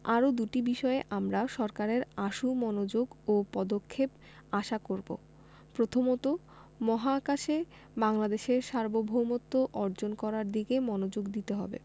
আরও দুটি বিষয়ে আমরা সরকারের আশু মনোযোগ ও পদক্ষেপ আশা করব প্রথমত মহাকাশে বাংলাদেশের সার্বভৌমত্ব অর্জন করার দিকে মনোযোগ দিতে হবে